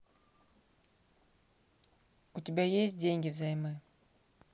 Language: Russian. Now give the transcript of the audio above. у тебя есть деньги взаймы